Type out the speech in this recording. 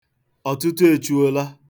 Ọtụtụ echuola.